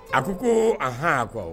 A ko ko ahan? A ko awɔ.